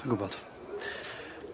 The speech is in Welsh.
Dwi'n gwbod.